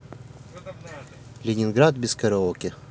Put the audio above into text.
ленинград без караоке